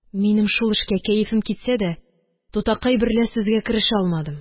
Минем шул эшкә кәефем китсә дә, тутакай берлә сүзгә керешә алмадым.